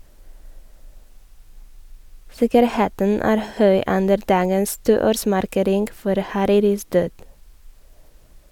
Sikkerheten er høy under dagens toårsmarkering for Hariris død.